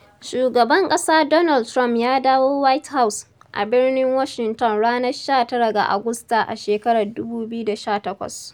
Shugaban ƙasa Donald Trump ya dawo 'White House' a birnin Washington ranar 19 ga Agusta shekarar 2018.